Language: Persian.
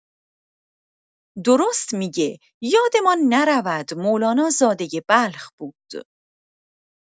درست می‌گه، یادمان نرود مولانا زاده بلخ بود.